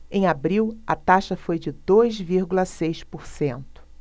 em abril a taxa foi de dois vírgula seis por cento